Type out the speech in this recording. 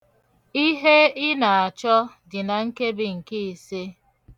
Ihe ị na-achọ dị na nkebi nke ise.